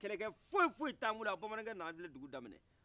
kɛlɛkɛ foyi foyi tɛ an bolo yan bamanankɛ nanen filɛ ka dugu daminɛ